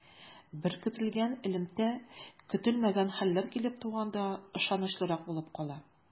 Беркетелгән элемтә көтелмәгән хәлләр килеп туганда ышанычлырак булып кала.